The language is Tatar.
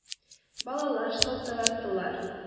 Балалар шалтыраттылар!